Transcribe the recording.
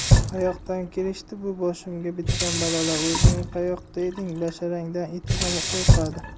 qayoqdan kelishdi bu boshimga bitgan balolar o'zing qayoqda eding basharangdan it ham qo'rqadi